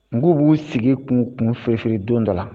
Mɔgɔw b'u sigi kun kun fɛfidon dɔ la